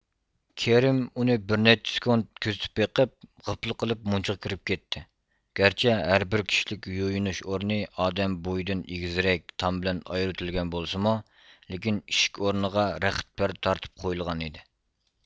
كېرىم ئۇنى بىرنەچچە سېكۇنت كۆزىتىپ بېقىپ غىپلا قىلىپ مۇنچىغا كىرىپ كەتتى گەرچە ھەربىر كىشىلىك يۇيۇنۇش ئورنى ئادەم بويىدىن ئېگىزرەك تام بىلەن ئايرىۋىتىلگەن بولسىمۇ لېكىن ئىشىك ئورنىغا رەخت پەردە تارتىپ قويۇلغان ئىدى